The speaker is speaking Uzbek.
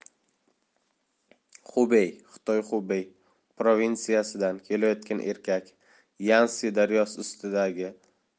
xubey xitoyxubey provinsiyasidan kelayotgan erkak yanszi daryosi